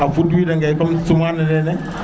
a fud wii dage comme suma le nene